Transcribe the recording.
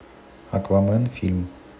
аквамен фильм